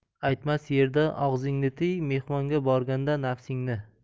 aytmas yerda og'zingni tiy mehmonga borganda nafsingni